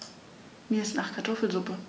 Mir ist nach Kartoffelsuppe.